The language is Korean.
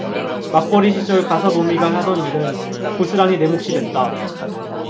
맞벌이 시절 가사도우미가 하던 일은 고스란히 내 몫이 됐다